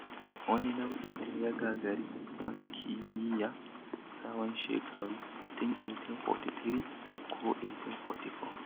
Wani nau'i da ya gagari masu kimiyya tsawon shekaru, tun 1843 ko 1844.